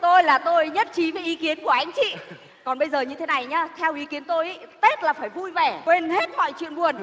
tôi là tôi nhất trí với ý kiến của anh chị còn bây giờ như thế này nhá theo ý kiến tôi ý tết là phải vui vẻ quên hết mọi chuyện buồn